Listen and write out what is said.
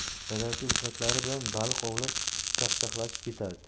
dadasi ulfatlari bilan baliq ovlab chaqchaqlashib ketardi